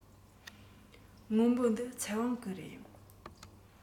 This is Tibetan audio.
སྔོན པོ འདི ཚེ དབང གི རེད